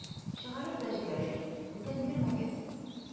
Чыгарыр да җибәрер: "Бүтән кермәгез!"